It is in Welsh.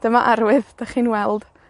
Dyma arwydd 'dach chi'n weld